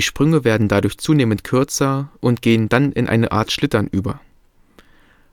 Sprünge werden dadurch zunehmend kürzer und gehen dann in eine Art Schlittern über.